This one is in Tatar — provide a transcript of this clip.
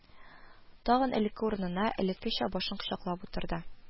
Тагын элекке урынына, элеккечә башын кочаклап утырды